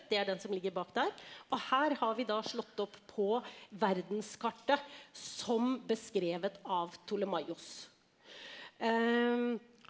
det er den som ligger bak der og her har vi da slått opp på verdenskartet som beskrevet av Ptolemaios .